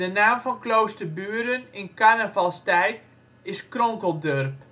naam van Kloosterburen in carnavalstijd in Kronkeldörp